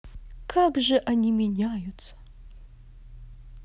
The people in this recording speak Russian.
как же они меняются